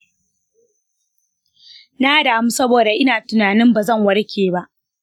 na damu saboda ina tunani bazan warke ba.